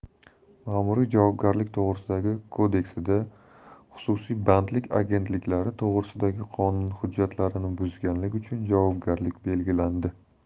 ma'muriy javobgarlik to'g'risidagi kodeksida xususiy bandlik agentliklari to'g'risidagi qonun hujjatlarini buzganlik uchun javobgarlik belgilandi